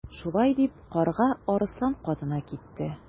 Шулай дип Карга Арыслан катына китте.